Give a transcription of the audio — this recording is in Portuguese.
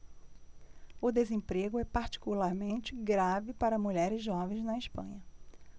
o desemprego é particularmente grave para mulheres jovens na espanha